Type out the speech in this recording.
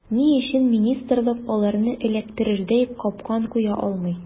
Ни өчен министрлык аларны эләктерердәй “капкан” куя алмый.